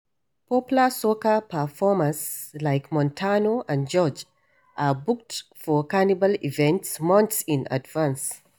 Popular soca performers like Montano and George are booked for Carnival events months in advance.